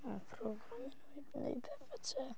A programio nhw i wneud petha te.